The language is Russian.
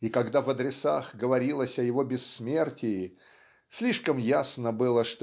и когда в адресах говорилось о его бессмертии слишком ясно было